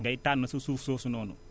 ngay tànn sa suuf soosu noonu